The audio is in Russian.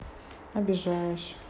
обижаешь